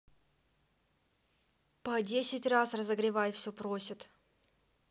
по десять раз разогревай все просит